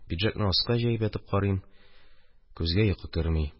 Пиджакны аска җәеп ятып карыйм, күзгә йокы керми.